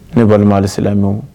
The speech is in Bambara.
Ne balima alisilamɛw